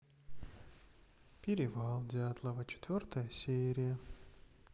перевал дятлова четвертая серия